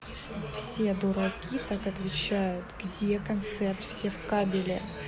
все дураки так отвечают где концерт в севкабеле